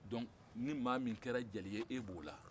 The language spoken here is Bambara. donc nin maa min kɛra jeli ye e b'o la